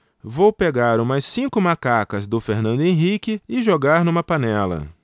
vou pegar umas cinco macacas do fernando henrique e jogar numa panela